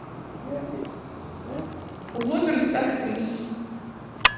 возраст актрис